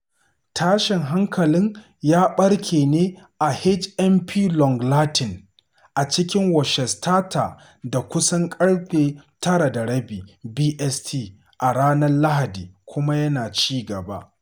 Tashin hankalin ya ɓarke ne a HMP Long Lartin a cikin Worcestershire da kusan ƙarfe 09:30 BST a ranar Lahadi kuma yana ci gaba.